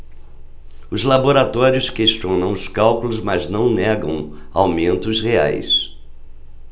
os laboratórios questionam os cálculos mas não negam aumentos reais